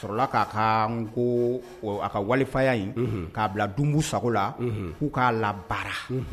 O sɔrɔlala k'a ka ko a ka waliya in k'a bila dun sagogo la k'u k'a la baara